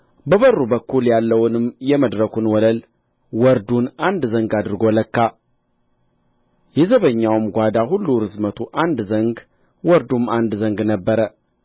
በበሩ በኩል ያለውንም የመድረኩን ወለል ወርዱን አንድ ዘንግ አድርጎ ለካ የዘበኛውም ጓዳ ሁሉ ርዝመቱ አንድ ዘንግ ወርዱም አንድ ዘንግ ነበረ